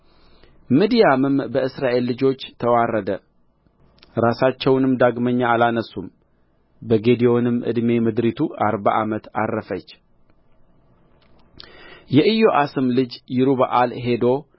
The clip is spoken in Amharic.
ምድያምም በእስራኤል ልጆች ተዋረደ ራሳቸውንም ዳግመኛ አላነሡም በጌዴዎንም ዕድሜ ምድሪቱ አርባ ዓመት ዐረፈች የኢዮአስም ልጅ ይሩበኣል ሄዶ